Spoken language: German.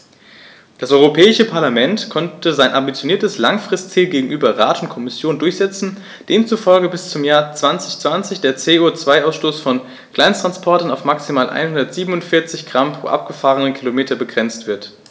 Das Europäische Parlament konnte sein ambitioniertes Langfristziel gegenüber Rat und Kommission durchsetzen, demzufolge bis zum Jahr 2020 der CO2-Ausstoß von Kleinsttransportern auf maximal 147 Gramm pro gefahrenem Kilometer begrenzt wird.